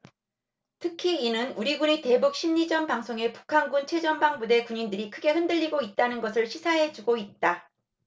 특히 이는 우리 군의 대북 심리전방송에 북한군 최전방부대 군인들이 크게 흔들리고 있다는 것을 시사해주고 있다